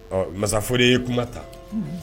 Ɔ mansa Fode ye kuma ta, unhun.